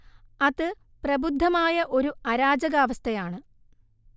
അത് പ്രബുദ്ധമായ ഒരു അരാജകാവസ്ഥയാണ്